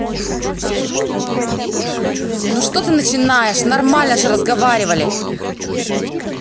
ну что ты начинаешь нормально же разговаривали